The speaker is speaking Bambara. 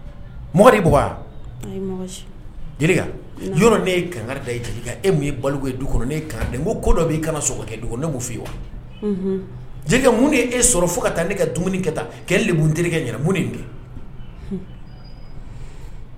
Ne ye kan ta e ye balo ye du kɔnɔ kan ko dɔ b'i sokɛ ne b' fɔ i wa jelikɛ mun dee sɔrɔ fo ka taa ne ka dumuni kɛ kɛlɛ de terikɛ mun kɛ